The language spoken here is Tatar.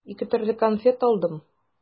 Ике төрле конфет алдым.